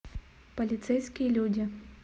полицейские люди